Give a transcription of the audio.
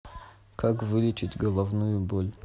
как вылечить головную боль